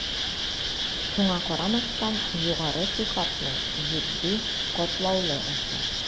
Шуңа карамастан, югары сыйфатлы, житди, катлаулы әсәр.